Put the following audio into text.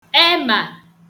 emà